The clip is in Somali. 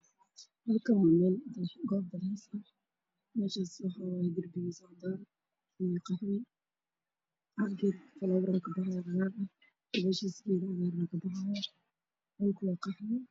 halkaan waa goob dalxiis ah darbigeeda waa cadaan iyo qaxwi, geedo falaawar ah ayaa kabaxaayo oo cagaar ah, gadaashiisana geedo kaloo cagaar ah ayaa kabaxaayo. Dhulkana waa cadaan.